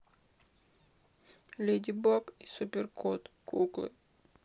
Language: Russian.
леди баг и супер кот куклы